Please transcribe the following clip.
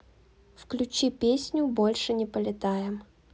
включи песню больше не полетаем